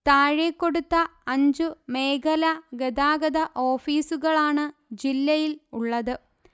താഴെ കൊടുത്ത അഞ്ചു മേഖലാഗതാഗത ഓഫീസുകളാണ് ജില്ലയിൽ ഉള്ളത്